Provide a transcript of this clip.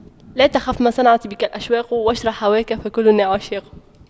لا تخف ما صنعت بك الأشواق واشرح هواك فكلنا عشاق